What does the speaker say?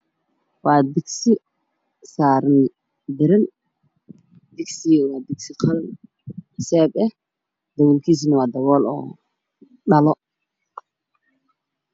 Waa dugsi saaran sijaayad kalkiisu yahay dahabi daboolku waa dhalo sijaaradda waa gudubtay